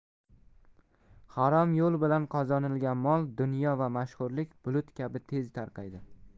harom yo'l bilan qozonilgan mol dunyo va mashhurlik bulut kabi tez tarqaydi